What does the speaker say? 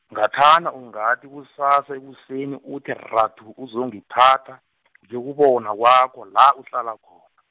ngathana ungathi kusasa ekuseni uthi rathu uzongithatha, ngiyokubona kwakho la uhlala khon-.